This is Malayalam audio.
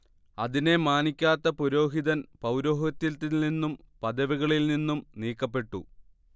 അതിനെ മാനിക്കാത്ത പുരോഹിതൻ പൗരോഹിത്യത്തിൽ നിന്നും പദവികളിൽ നിന്നും നീക്കപ്പെട്ടു